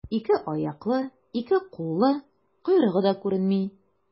Ике аяклы, ике куллы, койрыгы да күренми.